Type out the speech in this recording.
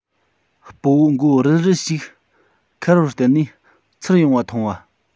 སྤོ བོ མགོ རིལ རིལ ཞིག འཁར བར བརྟེན ནས ཚུར ཡོང བ མཐོང བ